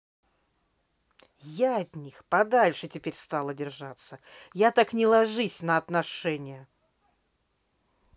я от них подальше теперь стала держаться я так не ложись на отношения